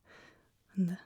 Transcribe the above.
Ende.